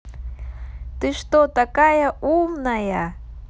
ты что такая умная